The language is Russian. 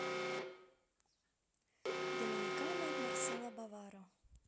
доминикана барсело баваро